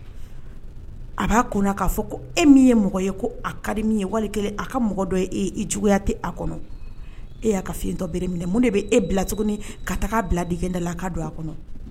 A b'a kun k'a fɔ ko e min ye mɔgɔ ye ko a kadi min ye wali a ka mɔgɔ dɔ e juguya tɛ a kɔnɔ e'a ka fiɲɛtɔ b minɛ mun de bɛ e bila tuguni ka bila d da la a ka don a kɔnɔ